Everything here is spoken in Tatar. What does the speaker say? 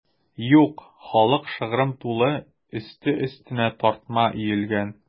Юк, халык шыгрым тулы, өсте-өстенә тартма өелгән.